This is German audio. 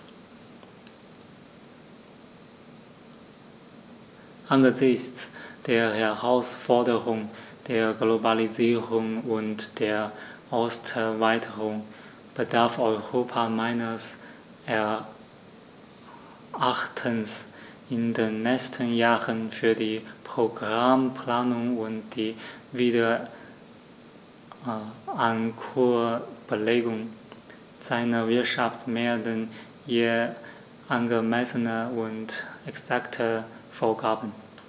Angesichts der Herausforderung der Globalisierung und der Osterweiterung bedarf Europa meines Erachtens in den nächsten Jahren für die Programmplanung und die Wiederankurbelung seiner Wirtschaft mehr denn je angemessener und exakter Vorgaben.